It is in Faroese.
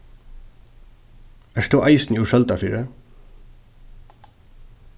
ert tú eisini úr søldarfirði